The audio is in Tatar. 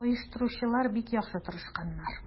Оештыручылар бик яхшы тырышканнар.